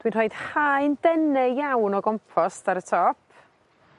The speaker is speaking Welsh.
Dwi'n rhoid haen dene iawn o gompost ar y top.